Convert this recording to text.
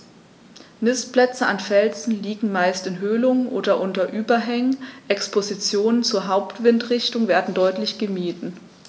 Nistplätze an Felsen liegen meist in Höhlungen oder unter Überhängen, Expositionen zur Hauptwindrichtung werden deutlich gemieden.